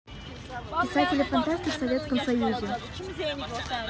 писатели фантасты в советском союзе